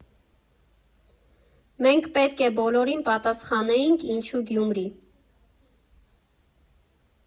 Մենք պետք է բոլորին պատասխանեինք՝ ինչու Գյումրի։